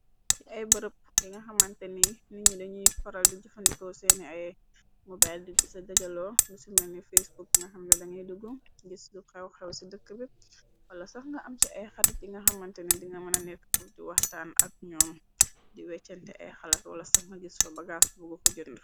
Ci ay bërëb yi nga xamante ni niñi dañuy paral di jëfandikoo seeni ay mobile di dica dajaloo bisu meni facebook nga xamne dangay duggu gis du xew xew ci dëkk bi wala sax nga am ci ay xarat yi nga xamante ni dinga mëna nekk ku ti waxtaan ak ñoom di weccante ay xalaat wala sax nga gis fa bagaas bugu ku jënd.